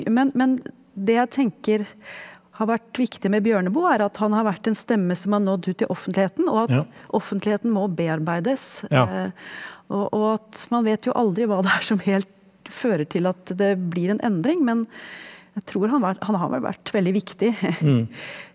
men men det jeg tenker har vært viktig med Bjørneboe er at han har vært en stemme som har nådd ut i offentligheten og at offentligheten må bearbeides og og at man vet jo aldri hva det er som helt fører til at det blir en endring, men jeg tror han var han har vel vært veldig viktig .